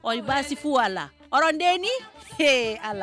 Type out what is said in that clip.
O baasifu a ladeneni ala